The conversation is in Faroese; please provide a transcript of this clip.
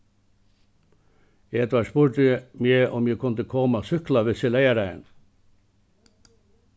edvard spurdi meg um eg kundi koma at súkkla við sær leygardagin